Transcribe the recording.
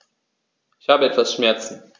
Ich habe etwas Schmerzen.